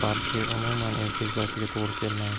balki umuman erkak zotiga to'g'ri kelmaydi